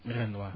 ren waaw